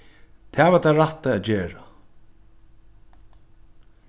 tað var tað rætta at gera